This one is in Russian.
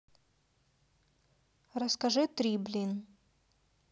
расскажи три блин